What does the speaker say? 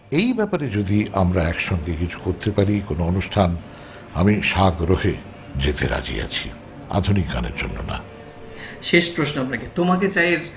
এই ব্যাপারে যদি আমরা এক সঙ্গে কিছু করতে পারি কোন অনুষ্ঠান সাগ্রহে যেতে রাজি আছি আধুনিক গানের জন্য না শেষ প্রশ্ন আপনাকে তোমাকে চাই এর